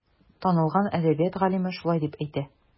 Танылган әдәбият галиме шулай дип әйтә.